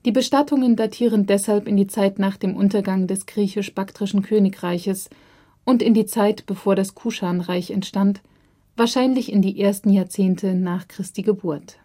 Bestattungen datieren deshalb in die Zeit nach dem Untergang des griechisch-baktrischen Königreiches und in die Zeit bevor das Kuschanreich entstand, wahrscheinlich in die ersten Jahrzehnte nach Christi Geburt